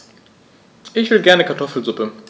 Ich will gerne Kartoffelsuppe.